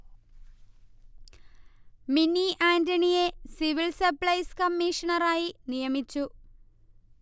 mini ആന്റണിയെ civil supplies കമീഷണറായി നിയമിച്ചു